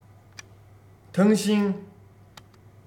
ཐང ཤིང